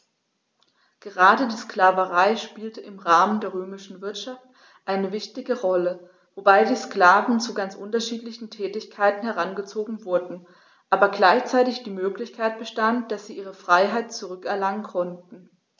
Gerade die Sklaverei spielte im Rahmen der römischen Wirtschaft eine wichtige Rolle, wobei die Sklaven zu ganz unterschiedlichen Tätigkeiten herangezogen wurden, aber gleichzeitig die Möglichkeit bestand, dass sie ihre Freiheit zurück erlangen konnten.